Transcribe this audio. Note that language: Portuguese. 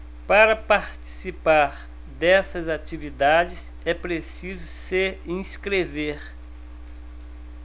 para participar dessas atividades é preciso se inscrever